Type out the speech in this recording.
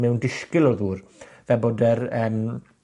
mewn disgyl o ddŵr, fel bod yr yym